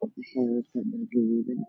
waxey watata dhar gaduudan